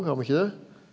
har me ikkje det?